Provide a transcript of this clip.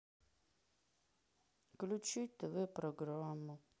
включить тв программу